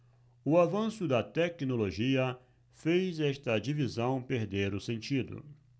o avanço da tecnologia fez esta divisão perder o sentido